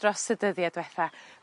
dros y dyddie dwetha.